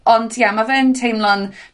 Ond ie ma' fe yn teimlo'n